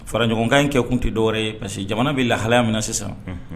Faraɲɔgɔnkan in kɛ tun tɛ dɔwɛrɛ ye parce que jamana bɛ lahalaya minɛ na sisan. Unhun.